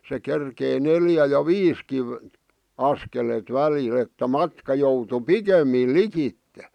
se kerkesi neljä ja viisikin askeletta välillä että matka joutui pikemmin likitse